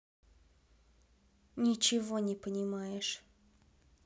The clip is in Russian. ничего не понимаешь